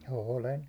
olen